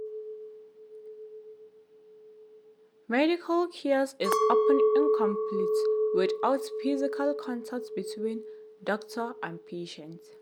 “Medical care is often incomplete without physical contact between doctor and patient.